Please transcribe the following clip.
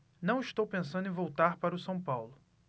não estou pensando em voltar para o são paulo